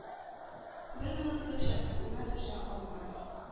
Бер минутлык шәфкатемә түзә алмадың;